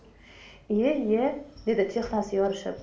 iye iye dedi chehrasi yorishib